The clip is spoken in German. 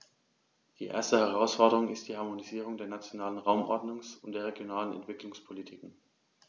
Die erste Herausforderung ist die Harmonisierung der nationalen Raumordnungs- und der regionalen Entwicklungspolitiken.